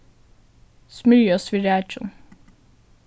smyrjiost við rækjum